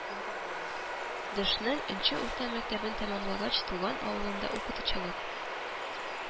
Дышның нче урта мәктәбен тәмамлагач, туган авылында укытучылык